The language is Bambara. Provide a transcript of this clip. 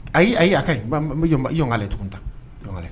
Ayi , ayi a ka ɲi . I jɔ n ka lajɛ tuguni tan . I bɔ n ka lajɛ.